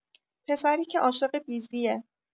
پسری که عاشق دیزیه